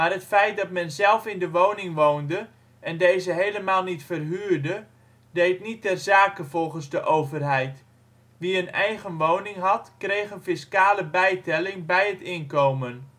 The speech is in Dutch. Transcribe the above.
het feit dat men zelf in de woning woonde en deze helemaal niet verhuurde deed niet ter zake volgens de overheid: wie een eigen woning had kreeg een fiscale bijtelling bij het inkomen